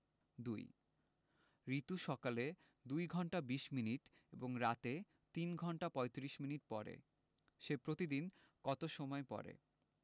২ রিতু সকালে ২ ঘন্টা ২০ মিনিট এবং রাতে ৩ ঘণ্টা ৩৫ মিনিট পড়ে সে প্রতিদিন কত সময় পড়ে